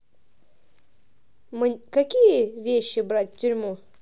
какие вещи брать в тюрьму